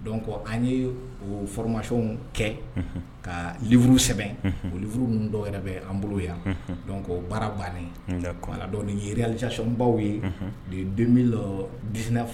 An ye o foromasi kɛ ka uru sɛbɛn uru ninnu dɔw yɛrɛ bɛ an bolo yan dɔn ko baarabannen kuma la dɔn ni yirilijaconbaw ye den diina